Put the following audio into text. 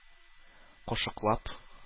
Кашыклап